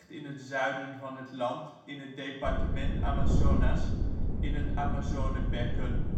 in het zuiden van het land, in het departement Amazonas in het Amazonebekken